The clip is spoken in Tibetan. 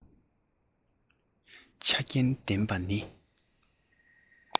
ཆ རྐྱེན ལྡན པ ནི